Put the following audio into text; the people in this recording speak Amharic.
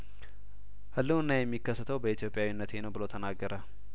ህልውናዬ የሚከሰተው በኢትዮጵያዊነቴ ነው ብሎ አንገራገረ